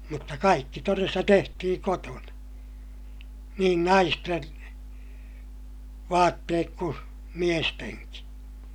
mutta kaikki todesta tehtiin kotona niin naisten vaatteet kuin miestenkin